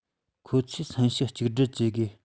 ཁོ ཚོས སེམས ཤུགས གཅིག སྒྲིལ གྱིས དགོས